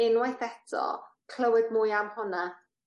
unwaith eto clywed, mwy am honna